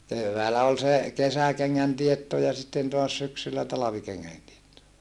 keväällä oli se kesäkengän teetto ja sitten taas syksyllä talvikengän teetto